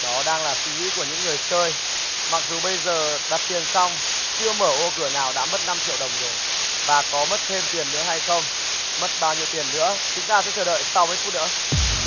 đó đang là suy nghĩ của những người chơi mặc dù bây giờ đặt tiền xong chưa mở ô cửa nào đã mất năm triệu đồng rồi và có mất thêm tiền nữa hay không mất bao nhiêu tiền nữa chúng ta sẽ chờ đợi sau ít phút nữa